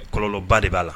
Kɔlɔlɔnba de b'a la